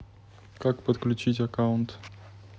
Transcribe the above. как подключить аккаунт